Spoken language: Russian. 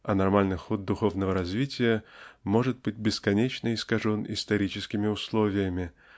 а нормальный ход духовного развития может быть бесконечно искажен историческими условиями